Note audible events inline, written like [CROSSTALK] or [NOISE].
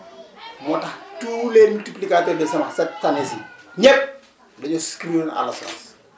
[CROSSTALK] moo tax tous les multiplicateurs de semence cette année ci ñëpp dañoo souscrire à l' assurance